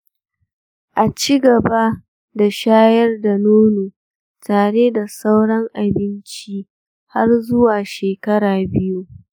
a ci gaba da shayar da nono tare da sauran abinci har zuwa shekara biyu.